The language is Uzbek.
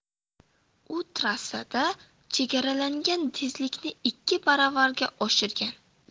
u trassada chegaralangan tezlikni ikki baravarga oshirgan